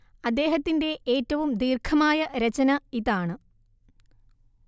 അദ്ദേഹത്തിന്റെ ഏറ്റവും ദീർഘമായ രചന ഇതാണ്